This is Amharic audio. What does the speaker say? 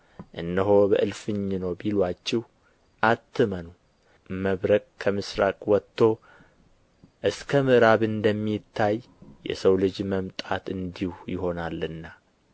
እነሆ በእልፍኝ ነው ቢሉአችሁ አትመኑ መብረቅ ከምሥራቅ ወጥቶ እስከ ምዕራብ እንደሚታይ የሰው ልጅ መምጣት እንዲሁ ይሆናልና